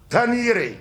Taa n' i yɛrɛ ye.